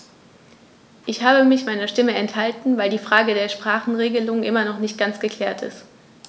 Ich habe mich meiner Stimme enthalten, weil die Frage der Sprachenregelung immer noch nicht ganz geklärt ist.